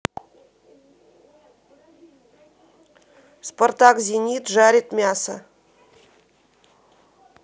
спартак зенит жарит мясо